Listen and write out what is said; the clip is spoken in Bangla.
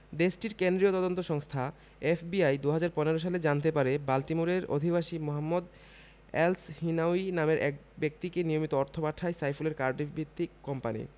দেশটির কেন্দ্রীয় তদন্ত সংস্থা এফবিআই ২০১৫ সালে জানতে পারে বাল্টিমোরের অধিবাসী মোহাম্মদ এলসহিনাউয়ি নামের এক ব্যক্তিকে নিয়মিত অর্থ পাঠায় সাইফুলের কার্ডিফভিত্তিক কোম্পানি